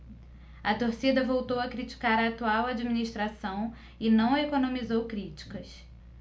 a torcida voltou a criticar a atual administração e não economizou críticas